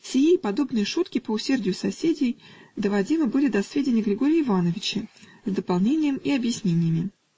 Сии и подобные шутки, по усердию соседей, доводимы были до сведения Григорья Ивановича с дополнением и объяснениями.